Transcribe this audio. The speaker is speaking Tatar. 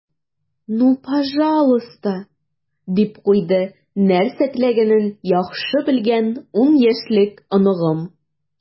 "ну пожалуйста," - дип куйды нәрсә теләгәнен яхшы белгән ун яшьлек оныгым.